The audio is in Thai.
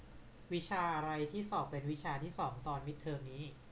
วิชาอะไรที่สอบเป็นวิชาที่สองตอนมิดเทอมนี้